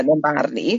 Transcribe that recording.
...yn yn barn i.